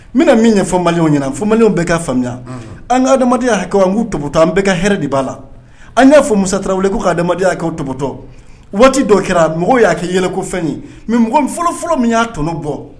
N bɛna min ye ɲɛfɔ maliw ɲɛna fɔ maliw bɛ ka faamuya an ka adamadamamadenyaya hakɛ an k'u tobutota an bɛ ka hɛrɛ de b'a la an y'a fɔ mu taraweleraww k'u ka adamamadenyayakaw tɔptɔ waati dɔ kɛra mɔgɔ y'a kɛ yɛlɛ kofɛn ye mɛ mɔgɔ fɔlɔfɔlɔ min y'a tɔnɔ bɔ